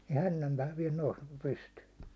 ja hännänpää vielä nousi pystyyn